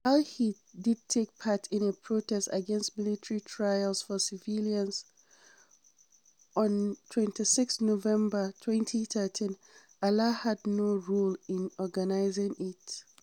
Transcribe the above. While he did take part in a protest against military trials for civilians on 26 November 2013, Alaa had no role in organising it.